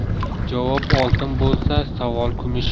javob oltin bo'lsa savol kumush